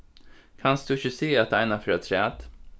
kanst tú ikki siga hatta einaferð afturat